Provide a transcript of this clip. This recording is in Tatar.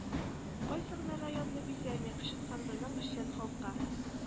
Кайсы гына районны бизәми кычытканлының эшчән халкы